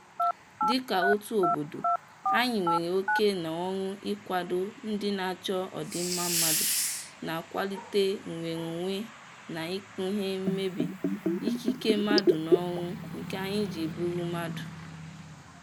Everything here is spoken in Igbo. Dịka otu obodo, anyị nwere oké na ọrụ ịkwado ndị na-achọ ọdịmma mmadụ na-akwalite nnwereonwe na ikpughe mmebi ikike mmadụ n'ọrụ nke anyị ji bụrụ mmadụ.